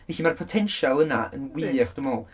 Felly mae'r potensial yna yn wych dwi'n meddwl...